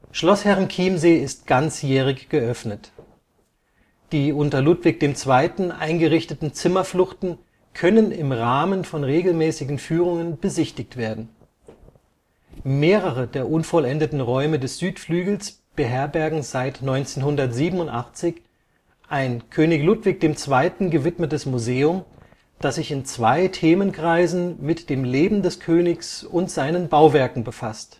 Schloss Herrenchiemsee ist ganzjährig geöffnet. Die unter Ludwig II. eingerichteten Zimmerfluchten können im Rahmen von regelmäßigen Führungen besichtigt werden. Mehrere der unvollendeten Räume des Südflügels beherbergen seit 1987 ein König Ludwig II. gewidmetes Museum, das sich in zwei Themenkreisen mit dem Leben des Königs und seinen Bauwerken befasst